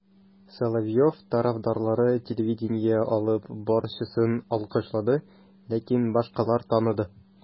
Соловьев тарафдарлары телевидение алып баручысын алкышлады, ләкин башкалар таныды: